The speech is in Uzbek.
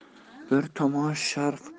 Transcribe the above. bir tomoni sharq